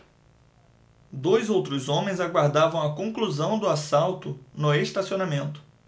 dois outros homens aguardavam a conclusão do assalto no estacionamento